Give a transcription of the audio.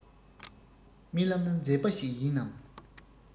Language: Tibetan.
རྨི ལམ ནི མཛེས པ ཞིག ཡིན ནམ